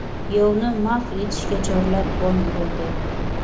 yovni mahv etishga chorlab bong urildi